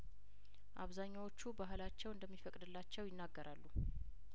አብዛኛዎቹ ባህላቸው እንደሚፈቅድላቸው ይናገራሉ